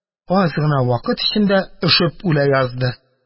Аз гына вакыт эчендә өшеп үлә язды